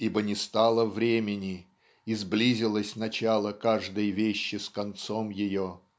"Ибо не стало времени, и сблизилось начало каждой вещи с концом ее